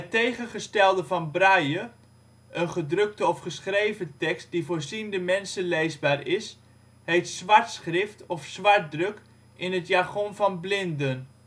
tegengestelde van braille - een gedrukte of geschreven tekst die voor ziende mensen leesbaar is - heet zwartschrift of zwartdruk in het jargon van blinden